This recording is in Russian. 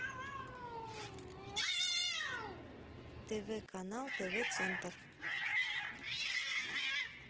тв канал тв центр